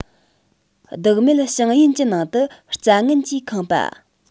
བདག མེད ཞིང ཡན གྱི ནང དུ རྩྭ ངན གྱིས ཁེངས པ